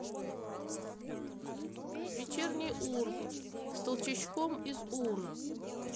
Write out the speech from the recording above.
вечерний ургант с толстячком из уно